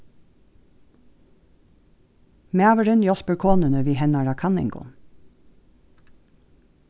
maðurin hjálpir konuni við hennara kanningum